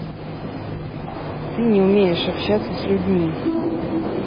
ты не умеешь общаться с людьми